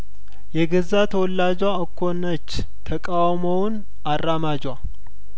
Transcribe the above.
የገዛ ተወላጇ እኮነች ተቃውሞውን አራማጇ